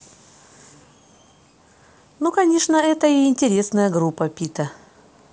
ну конечно это и интересная группа пита